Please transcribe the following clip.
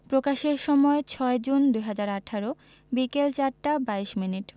প্রকাশের সময় ৬জুন ২০১৮ বিকেল ৪টা ২২ মিনিট